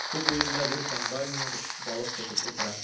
Су буенда бер комбайнер балык тотып утыра.